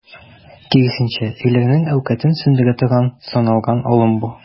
Киресенчә, ирләрнең әүкатен сүндерә торган, сыналган алым бу.